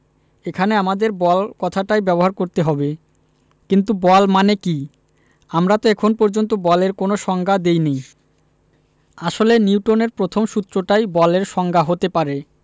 এখানে আমাদের বল কথাটাই ব্যবহার করতে হবে কিন্তু বল মানে কী আমরা তো এখন পর্যন্ত বলের কোনো সংজ্ঞা দিইনি আসলে নিউটনের প্রথম সূত্রটাই বলের সংজ্ঞা হতে পারে